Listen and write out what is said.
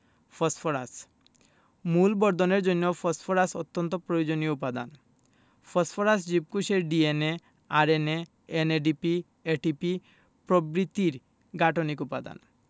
phosphorus মূল বর্ধনের জন্য ফসফরাস অত্যন্ত প্রয়োজনীয় উপাদান ফসফরাস জীবকোষের DNA RNA NADP ATP প্রভৃতির গাঠনিক উপাদান